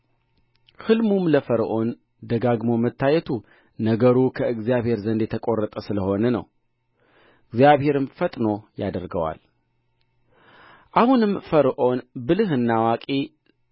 ሕልሙም ለፈርዖን ደጋግሞ መታየቱ ነገሩ ከእግዚአብሔር ዘንድ የተቈረጠ ስለ ሆነ ነው እግዚአብሔርም ፈጥኖ ያደርገዋል አሁንም ፈርዖን ብልህና አዋቂ